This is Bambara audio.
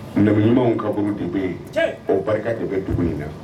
Nabi ɲumanw kaburu de be ye tiɲɛ o barika de bɛ dugu in na